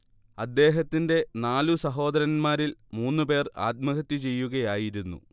അദ്ദേഹത്തിന്റെ നാലു സഹോദരന്മാരിൽ മൂന്നുപേർ ആത്മഹത്യചെയ്യുകയായിരുന്നു